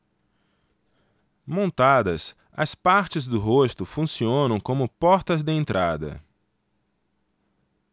montadas as partes do rosto funcionam como portas de entrada